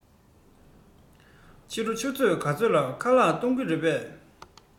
ཕྱི དྲོ ཆུ ཚོད ག ཚོད ལ ཁ ལག གཏོང གི རེད པས